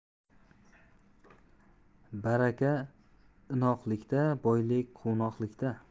baraka inoqlikda boqiylik quvnoqlikda